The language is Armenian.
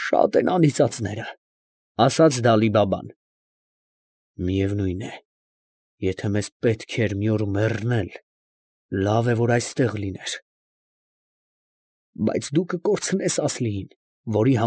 Շատ են անիծածները, ֊ ասաց Դալի֊Բաբան։ ֊ Միևնույն է, եթե մեզ պետք էր մի օր մեռնել, լավ է, որ այստեղ լիներ, ֊ պատասխանեց Սարհատը։ ֊ Բայց դու կկորցնես Ասլիին, որի։